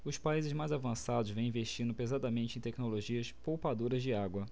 os países mais avançados vêm investindo pesadamente em tecnologias poupadoras de água